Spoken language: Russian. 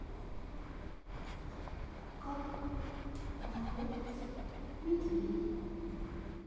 как охотятся медведи